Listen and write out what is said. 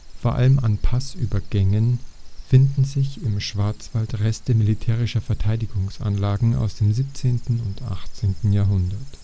Vor allem an Passübergängen finden sich im Schwarzwald Reste militärischer Verteidigungsanlagen aus dem 17. und 18. Jahrhundert